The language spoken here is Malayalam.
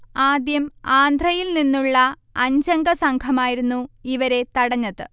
ആദ്യം ആന്ധ്രയിൽ നിന്നുള്ള അഞ്ചംഗ സംഘമായിരുന്നു ഇവരെ തടഞ്ഞത്